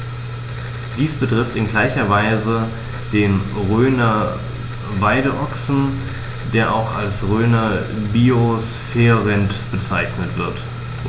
Dies betrifft in gleicher Weise den Rhöner Weideochsen, der auch als Rhöner Biosphärenrind bezeichnet wird.